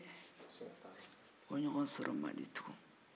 o ɲɔgɔn sɔrɔ man di tugun